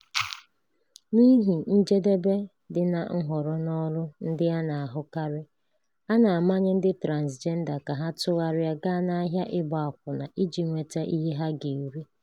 N'ihi njedebe dị na nhọrọ n'ọrụ ndị a na-ahụkarị, a na-amanye ndị transịjenda ka ha tụgharịa gaa n'ahịa ịgba akwụna iji nweta ihe ha ga-eri.